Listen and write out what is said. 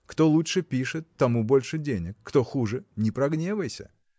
кто лучше пишет, тому больше денег, кто хуже – не прогневайся.